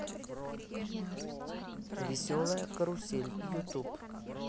веселая карусель ютуб